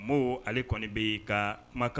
Moo ale kɔni bee kaa kumakan